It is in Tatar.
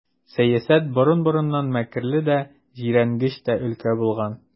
Сәясәт борын-борыннан мәкерле дә, җирәнгеч тә өлкә булган.